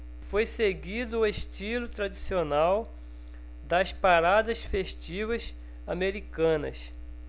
foi seguido o estilo tradicional das paradas festivas americanas